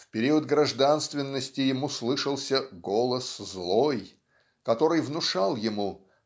В период гражданственности ему слышался "голос злой" который внушал ему